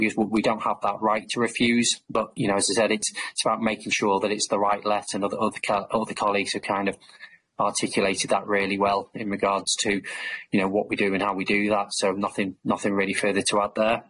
because we don't have that right to refuse but you know as I said it's about making sure that it's the right letting and other other ca- other colleagues have kind of articulated that really well in regards to you know what we do and how we do that so nothing nothing really further to add there.